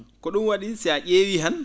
ko ?um wa?i si a ?eewii han